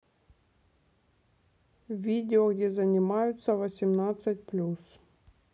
видео где занимаются восемнадцать плюс